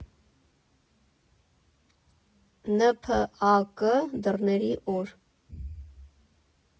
ՆՓԱԿ դռների օր։